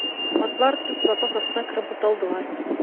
Атлар төз лапас астына кереп буталдылар.